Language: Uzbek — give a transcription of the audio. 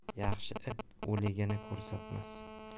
yaxshi it o'ligini ko'rsatmas